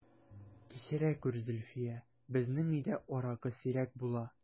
Кичерә күр, Зөлфия, безнең өйдә аракы сирәк була...